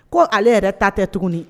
Ko ale yɛrɛ ta tɛ tuguni